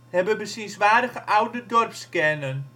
hebben bezienswaardige oude dorpskerken